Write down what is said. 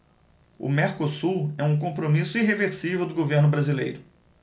o mercosul é um compromisso irreversível do governo brasileiro